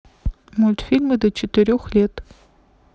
мультфильмы до четырех лет